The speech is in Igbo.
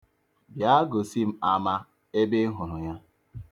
Bịa gosi m ama ebe ị hụrụ ya.